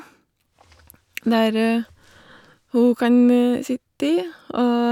Der hun kan sitte i, og...